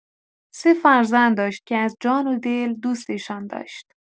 سه فرزند داشت که از جان‌ودل دوستشان داشت.